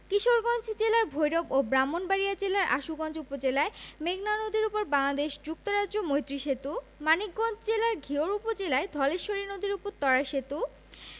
কিশোরগঞ্জ জেলার ভৈরব ও ব্রাহ্মণবাড়িয়া জেলার আশুগঞ্জ উপজেলায় মেঘনা নদীর উপর বাংলাদেশ যুক্তরাজ্য মৈত্রী সেতু মানিকগঞ্জ জেলার ঘিওর উপজেলায় ধলেশ্বরী নদীর উপর ত্বরা সেতু